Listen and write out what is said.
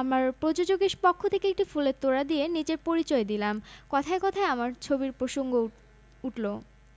আমার সারাদিনের কর্মসূচি জেনে জানিয়ে দিলেন সকাল সকাল আমাকে যেতে হবে কানের একটা নামকরা হোটেলে হোটেলের সৈকতে থাকবেন ভারতীয় সিনেমার অভিনেতা ধানুশ আমাকে তার সাথে দেখা করে একটি বার্তা পৌঁছে দিতে হবে